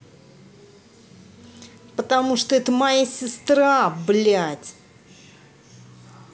потому что это моя сестра блядь